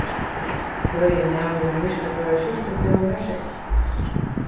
høgi maðurin í myrkagráari skjúrtu bjóðar mær sess